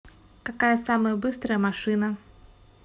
какая самая быстрая машина